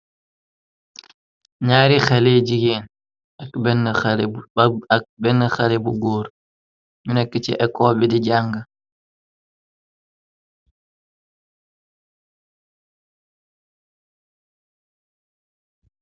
Nyaari xelé jigeen ak benn xalé bu góor mu nekk ci ecol bi di jang.